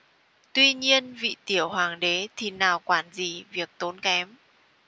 tuy nhiên vị tiểu hoàng đế thì nào quản gì việc tốn kém